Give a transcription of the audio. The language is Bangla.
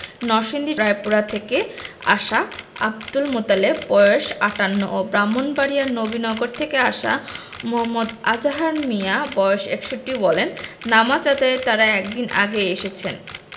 নরসিংদী রায়পুরা থেকে আসা আবদুল মোতালেব বয়স ৫৮ ও ব্রাহ্মণবাড়িয়ার নবীনগর থেকে আসা মো. আজহার মিয়া বয়স ৬১ বলেন নামাজ আদায়ে তাঁরা এক দিন আগেই এসেছিলেন